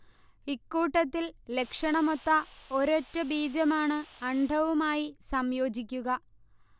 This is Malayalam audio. ഇക്കൂട്ടത്തിൽ ലക്ഷണമൊത്ത ഒരൊറ്റ ബീജമാണ് അണ്ഡവുമായി സംയോജിക്കുക